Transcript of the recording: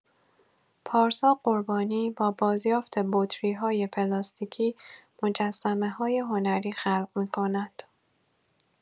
پارسا قربانی، با بازیافت بطری‌های پلاستیکی، مجسمه‌های هنری خلق می‌کند.